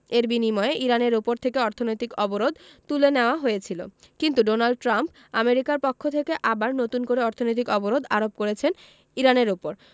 এর বিনিময়ে ইরানের ওপর থেকে অর্থনৈতিক অবরোধ তুলে নেওয়া হয়েছিল কিন্তু ডোনাল্ড ট্রাম্প আমেরিকার পক্ষ থেকে আবার নতুন করে অর্থনৈতিক অবরোধ আরোপ করেছেন ইরানের ওপর